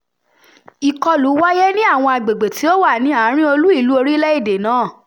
Ìkọlù wáyé ní àwọn agbègbè tí ó wà ní àárín olú ìlú orílẹ̀-èdè náà.